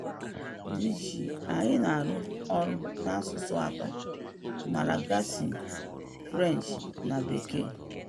DG: Anyị na-arụ ọrụ n'asụsụ atọ: Malagasy, French na Bekee.